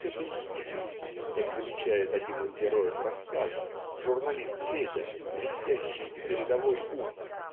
"катехизис" (как замечает один из героев рассказа журналист Федя блестящий и передовой ум